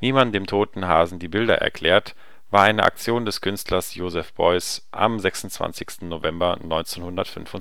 man dem toten Hasen die Bilder erklärt war eine Aktion des Künstlers Joseph Beuys am 26. November 1965